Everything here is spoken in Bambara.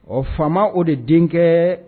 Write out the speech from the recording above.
Ɔ faama o de denkɛ